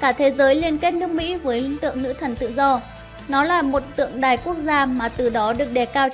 cả thế giới liên kết nước mỹ với tượng nữ thần tự do nó là một tượng đài quốc gia mà từ đó được đề cao